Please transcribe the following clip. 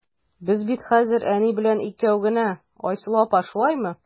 Без бит хәзер әни белән икәү генә, Айсылу апа, шулаймы?